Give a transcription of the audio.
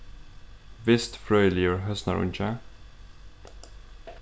vistfrøðiligur høsnarungi